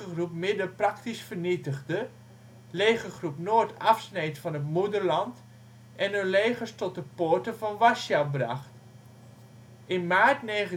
vernietigde, legergroep Noord afsneed van het moederland, en hun legers tot de poorten van Warschau bracht. In maart 1945